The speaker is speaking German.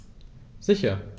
Sicher.